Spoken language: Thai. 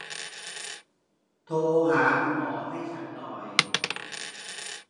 โทรหาคุณหมอให้ฉันหน่อย